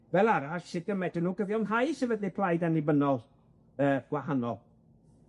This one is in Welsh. Fel arall sut y medre nw gyfiawnhau sefydlu plaid annibynnol yy gwahanol.